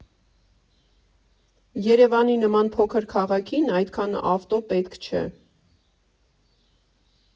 Երևանի նման փոքր քաղաքին այդքան ավտո պետք չէ։